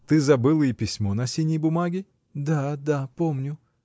Ты забыла и письмо на синей бумаге? — Да, да, помню.